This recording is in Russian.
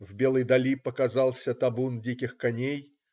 В белой дали показался табун диких коней.